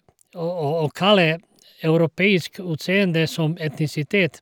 å å Å kalle europeisk utseende som etnisitet...